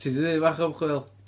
Ti 'di wneud bach o ymchwil?